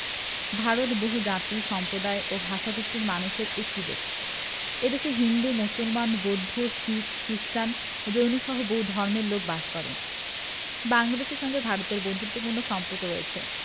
ভারত বহুজাতি সম্প্রদায় ও ভাষাগোষ্ঠীর মানুষের একটি দেশ এ দেশে হিন্দু মুসলমান বৌদ্ধ শিখ খ্রিস্টান জৈনসহ বহু ধর্মের লোক বাস করে বাংলাদেশের সঙ্গে ভারতের বন্ধুত্তপূর্ণ সম্পর্ক রয়ছে